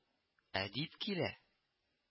Әдип килә